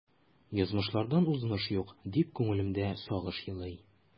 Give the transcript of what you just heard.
Язмышлардан узмыш юк, дип күңелемдә сагыш елый.